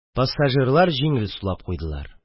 Пассажирлар җиңел сулап куйдылар.